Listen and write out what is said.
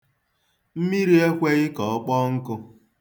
Mmiri ekweghị ka ọ kpọọ nkụ.